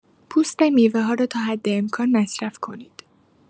پوست میوه‌ها را تا حد امکان مصرف کنید.